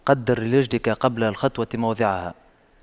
قَدِّرْ لِرِجْلِكَ قبل الخطو موضعها